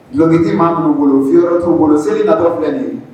Dulɔkiti m' b' bolo fi' bolo seli katɔ filɛ de